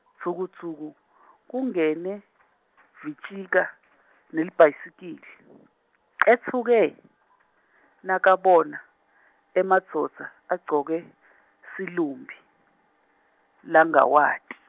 Dvukudvuku kungene Vitsika nelibhayisikili, etfuke nakabona emadvodza agcoke silumbi langawati.